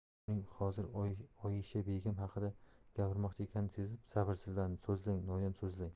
bobur uning hozir oyisha begim haqida gapirmoqchi ekanini sezib sabrsizlandi so'zlang no'yon so'zlang